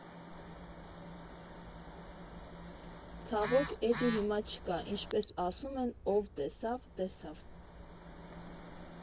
Ցավոք, էջը հիմա չկա, ինչպես ասում են՝ ով տեսավ՝ տեսավ։